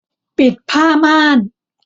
ปิดผ้าม่าน